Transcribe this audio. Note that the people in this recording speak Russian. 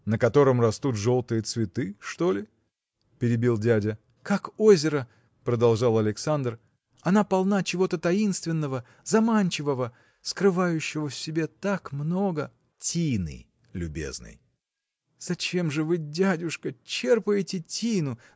– На котором растут желтые цветы, что ли? – перебил дядя. – Как озеро – продолжал Александр – она полна чего-то таинственного заманчивого скрывающего в себе так много. – Тины, любезный. – Зачем же вы дядюшка черпаете тину